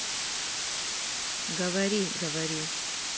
говори говорю